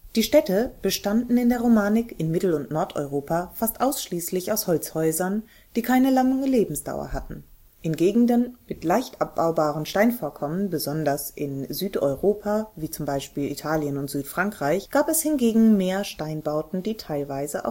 Die Städte bestanden in der Romanik in Mittel - und Nordeuropa fast ausschließlich aus Holzhäusern, die keine lange Lebensdauer hatten; in Gegenden mit leicht abzubauenden Steinvorkommen, besonders in Südeuropa (z.B. Italien, Südfrankreich), gab es hingegen mehr Steinbauten, die teilweise